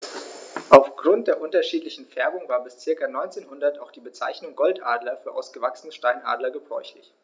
Auf Grund der unterschiedlichen Färbung war bis ca. 1900 auch die Bezeichnung Goldadler für ausgewachsene Steinadler gebräuchlich.